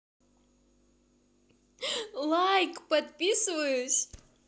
лайк подписываюсь